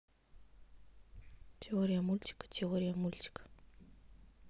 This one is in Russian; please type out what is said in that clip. теория мультика теория мультика